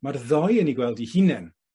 Ma'r ddou yn 'u gweld 'u hunen